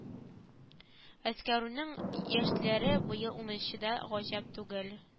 Әскәрүнең яшьтәшләре быел унынчы гаҗәп түгел